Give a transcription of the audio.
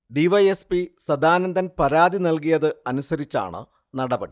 D. Y. S. P. Sadanandan പരാതി നൽകിയത് അനുസരിച്ചാണ് നടപടി